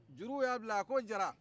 juruw y'a bila a ko jara